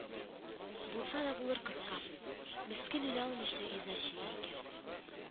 Булса да булыр, кортка, мескен, үлә алмыйча иза чигә икән